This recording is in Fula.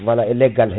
voilà e leggal he